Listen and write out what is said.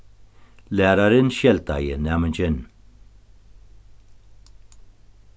lærarin skeldaði næmingin